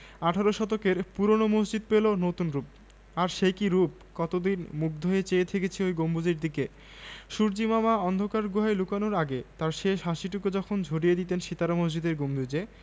বাদলশেষের ঈন্দ্রধনুটি বললেই হয় তার বড় বড় দুটি চোখ আজ অচঞ্চল তমালের ডালে বৃষ্টির দিনে ডানা ভেজা পাখির মত কিছুদিন আগে রৌদ্রের শাসন ছিল প্রখর দিগন্তের মুখ বিবর্ণ